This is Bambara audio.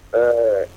Ɛɛ